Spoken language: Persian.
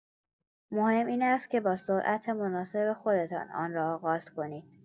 مهم این است که با سرعت مناسب خودتان آن را آغاز کنید.